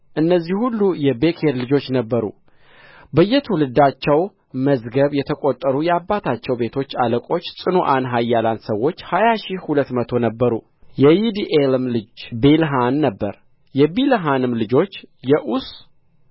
እነዚህ ሁሉ የቤኬር ልጆች ነበሩ በየትውልዳቸው መዝገብ የተቈጠሩ የአባቶቻቸው ቤቶች አለቆች ጽኑዓን ኃያላን ሰዎች ሀያ ሺህ ሁለት መቶ ነበሩ የይዲኤልም ልጅ ቢልሐን ነበረ የቢልሐንም ልጆች የዑስ